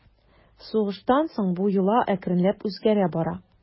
Сугыштан соң бу йола әкренләп үзгәрә бара.